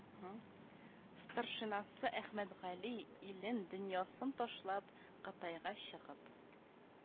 Старшинасы әхмәтгали илен дөньясын ташлап кытайга чыгып